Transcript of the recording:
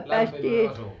lämpimään asumaan